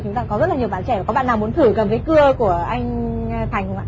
rằng có rất là nhiều bạn trẻ có bạn nào muốn thử cảm vết cưa của anh thành không ạ